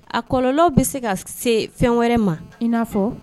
A kɔlɔw bɛ se ka se fɛn wɛrɛ ma ia fɔ